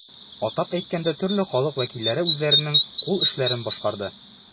Атап әйткәндә, төрле халык вәкилләре үзләренең кул эшләрен башкарды.